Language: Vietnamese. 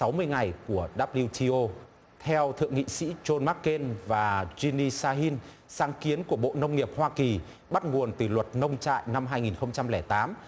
sáu mươi ngày của đắp liu chi ô theo thượng nghị sĩ chôn mắc kên và chin ni sa hin sáng kiến của bộ nông nghiệp hoa kỳ bắt nguồn từ luật nông trại năm hai nghìn không trăm lẻ tám